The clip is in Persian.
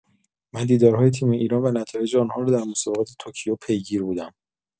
من دیدارهای تیم ایران و نتایج آنها را در مسابقات توکیو پیگیر بودم.